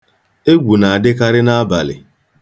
Egwu na-adịkarị n'abalị